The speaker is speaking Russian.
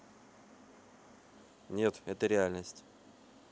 нет это реальность